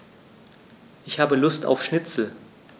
Ich habe Lust auf Schnitzel.